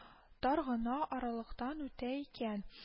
Тар гына аралыктан үтә икән